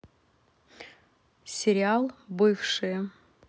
сериал бывшие